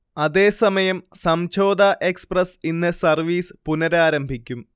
അതേസമയം സംഝോത എക്സ്പ്രസ്സ് ഇന്ന് സർവീസ് പുനരാരംഭിക്കും